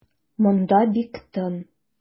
Монда бик тын.